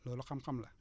loolu xam-xam la